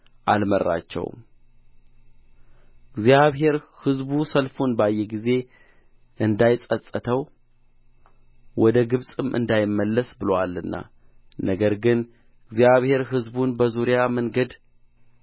አልመራቸውም እግዚአብሔር ሕዝቡ ሰልፉን ባየ ጊዜ እንዳይጸጽተው ወደ ግብፅም እንዳይመለስ ብሎአልና ነገር ግን እግዚአብሔር ሕዝቡን በዙሪያ መንገድ